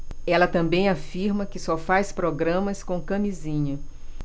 ela também afirma que só faz programas com camisinha